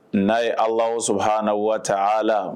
N'a ye alasɔ hana waa a la